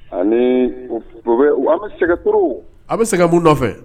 Ani u bɛ an bɛ sɛgɛ trop . A sɛgɛ mun nɔfɛ?